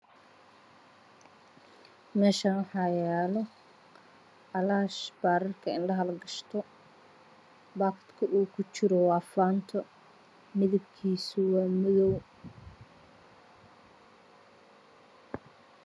Meeshaan waxaa yaalo aylaashka indhaha lagashto baakadka uu kujiro waa faanto midabkiisu waa madow.